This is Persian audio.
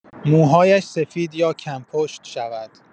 موهایش سفید یا کم‌پشت شود.